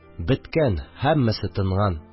Беткән, һәммәсе тынган